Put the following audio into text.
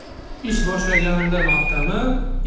ish boshlaganda maqtanma